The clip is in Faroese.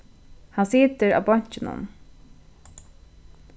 hann situr á beinkinum